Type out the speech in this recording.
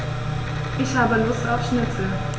Ich habe Lust auf Schnitzel.